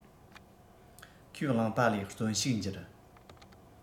ཁས བླངས པ ལས བརྩོན ཕྱུག འགྱུར